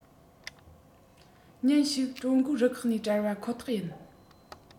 ཉིན ཞིག ཀྲུང གོའི རུ ཁག ནས བྲལ བ ཁོ ཐག ཡིན